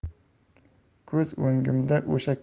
ko'z o'ngimda o'sha